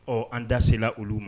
Ɔ an da sela olu